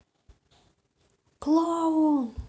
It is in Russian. клоун